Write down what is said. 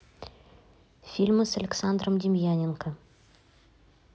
фильмы с александром демьяненко